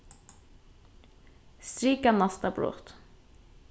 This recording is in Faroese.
strika næsta brot